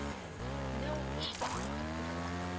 Менә ул эштән кайтып керде